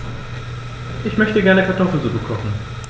Ich möchte gerne Kartoffelsuppe kochen.